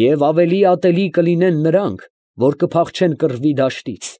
Եվ ավելի ատելի կլինեն նրանք, որ կփախչեն կռվի դաշտից։